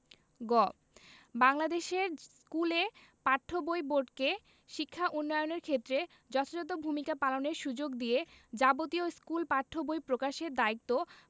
গ বাংলাদেশের স্কুলে পাঠ্য বই বোর্ডকে শিক্ষা উন্নয়নের ক্ষেত্রে যথাযথ ভূমিকা পালনের সুযোগ দিয়ে যাবতীয় স্কুল পাঠ্য বই প্রকাশের দায়িত্ব